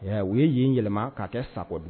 Ɛ u ye y'i yɛlɛma k'a kɛ sakɔ di